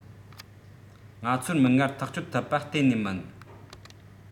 ང ཚོར མིག སྔར ཐག གཅོད ཐུབ པ གཏན ནས མིན